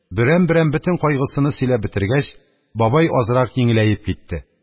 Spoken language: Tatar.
Берәм-берәм бөтен кайгысыны сөйләп бетергәч, бабай азрак йиңеләеп китте.